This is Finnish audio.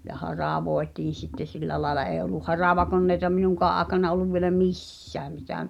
ja haravoitiin sitten sillä lailla ei ollut haravakoneita minunkaan aikana ollut vielä missään mitä -